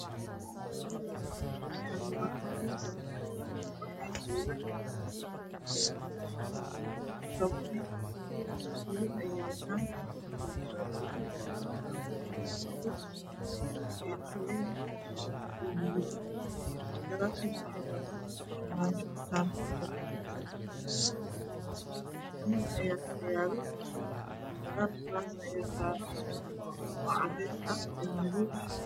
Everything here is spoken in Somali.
Meeshaan waa xafiis waxaa jooga doddobo nin suudad ayay wataan waa buluug iyo cambo iyo qalin iyo madow gadaashooda waxaa yaalo armaajo kitaabo kujiraan miis ayaa horyaala gadaal kuraas ayaa taalo oo cadeys ah madow ah.